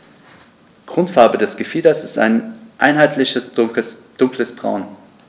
Grundfarbe des Gefieders ist ein einheitliches dunkles Braun.